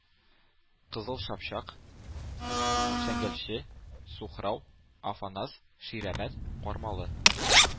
Кызыл Чапчак, Шәңгәлче, Сухрау, Афанас, Ширәмәт, Кармалы